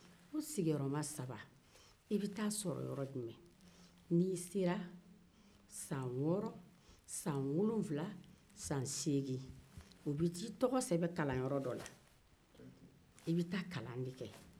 i bɛ taa a sɔrɔ yɔrɔ jumɛn n'i sela san wɔɔrɔ san wolonwula san segin u bɛ taa i tɔgɔ sɛbɛn kalanyɔrɔ dɔ la i bɛ taa kalan de kɛ